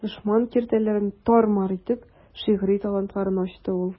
Дошман киртәләрен тар-мар итеп, шигъри талантларны ачты ул.